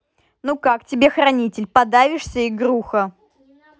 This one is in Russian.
ну как тебе хранитель подавишься игруха